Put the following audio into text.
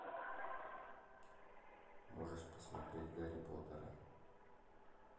можешь посмотреть гарри поттера